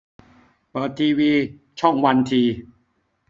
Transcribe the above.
เปิดทีวีช่องวันที